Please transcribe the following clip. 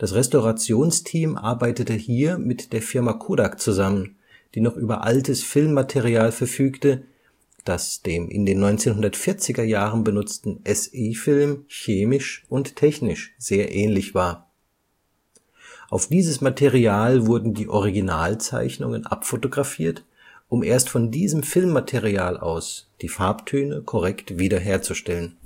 Restaurationsteam arbeitete hier mit der Firma Kodak zusammen, die noch über altes Filmmaterial verfügte, das dem in den 1940er Jahren benutzten SE-Film chemisch und technisch sehr ähnlich war. Auf dieses Material wurden die Originalzeichnungen abfotografiert, um erst von diesem Filmmaterial aus die Farbtöne korrekt wiederherzustellen